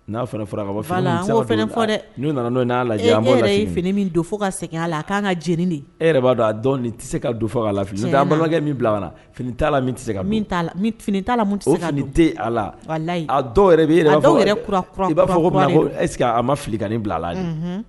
N'a ka bɔ la fɔ dɛu nana''a la fini min don fo ka segin la a k' ka jeni e b'a dɔn a dɔn tɛ se ka don fo ka lafikɛ min fini se fini la dɔw bɛ la i b'a fɔ a ma fili ka nin bila la